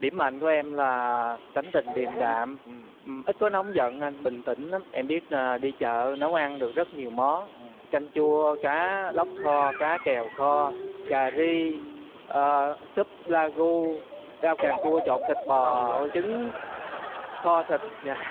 điểm mạnh của em là tính tình điềm đạm ít có nóng giận anh bình tĩnh lắm em biết là đi chợ nấu ăn được rất nhiều món canh chua cá lóc kho cá kèo kho cà ri ờ súp la gu rau càng cua trộn thịt bò trời ơi trứng kho thịt